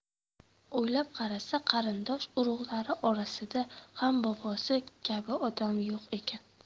o'ylab qarasa qarindosh urug'lari orasida ham bobosi kabi odam yo'q ekan